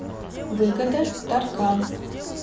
выгода таркан